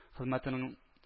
Хезмәтенең